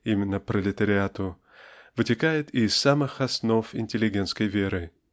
именно "пролетариату") вытекает из самых основ интеллигентской веры.